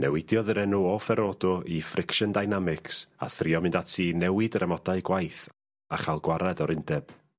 Newidiodd yr enw o Ferodo i Friction Dynamics a thrio mynd ati i newid yr amodau gwaith a cha'l gwared o'r undeb.